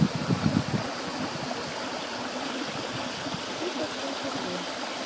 щука в сентябре